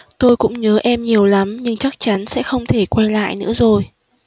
tôi cũng nhớ em nhiều lắm nhưng chắc chắn sẽ không thể quay lại nữa rồi